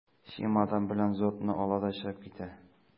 Чемодан белән зонтны ала да чыгып китә.